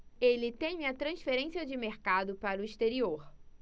ele teme a transferência de mercado para o exterior